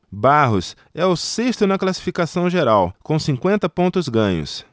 barros é o sexto na classificação geral com cinquenta pontos ganhos